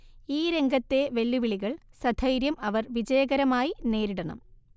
ഈ രംഗത്തെ വെല്ലുവിളികൾ സധൈര്യം അവർ വിജയകരമായി നേരിടണം